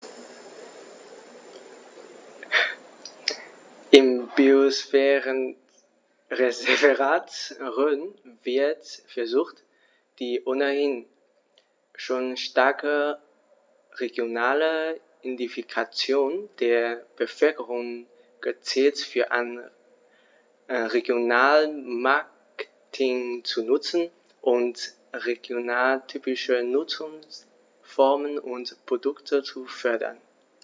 Im Biosphärenreservat Rhön wird versucht, die ohnehin schon starke regionale Identifikation der Bevölkerung gezielt für ein Regionalmarketing zu nutzen und regionaltypische Nutzungsformen und Produkte zu fördern.